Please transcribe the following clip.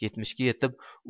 yetmishga yetib